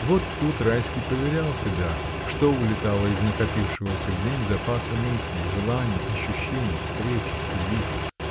Вот тут Райский поверял себя, что улетало из накопившегося в день запаса мыслей, желаний, ощущений, встреч и лиц.